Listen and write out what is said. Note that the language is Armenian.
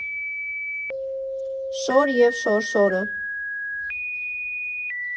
Շոր և Շորշորը։